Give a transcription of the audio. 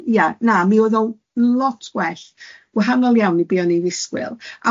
Ia na mi o'dd o lot gwell, wahanol iawn i be o'n i'n ddisgwyl.